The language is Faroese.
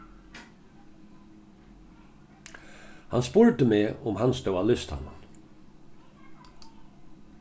hann spurdi meg um hann stóð á listanum